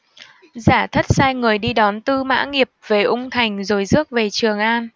giả thất sai người đi đón tư mã nghiệp về ung thành rồi rước về trường an